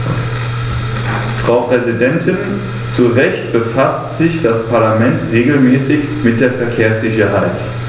Frau Präsidentin, zu Recht befasst sich das Parlament regelmäßig mit der Verkehrssicherheit.